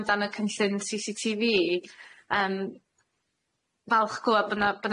amdan y cynllun See See Tee Vee yym falch clwad bo 'na bo